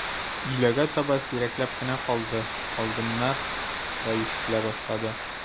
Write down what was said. Өйләгә таба сирәкләп кенә «калды», «калдым»нар да ишетелә башлады.